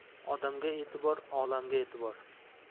odamga e'tibor olamga e'tibor